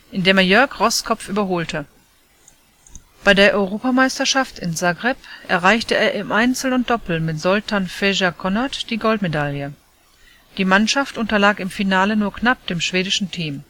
indem er Jörg Roßkopf überholte. Bei der Europameisterschaft in Zagreb erreichte er im Einzel und Doppel mit Zoltan Fejer-Konnerth die Goldmedaille, die Mannschaft unterlag im Finale nur knapp dem schwedischen Team